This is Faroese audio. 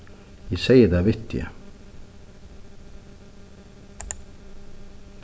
eg segði tað við teg